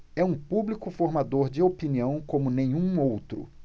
é um público formador de opinião como nenhum outro